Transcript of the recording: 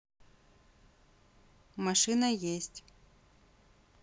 машина есть